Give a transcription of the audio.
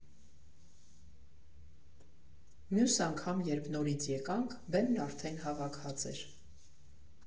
Մյուս անգամ երբ նորից եկանք՝ բեմն արդեն հավաքած էր։